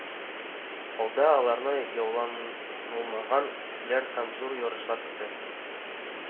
Алда аларны яуланылмаган үрләр һәм зур ярышлар көтә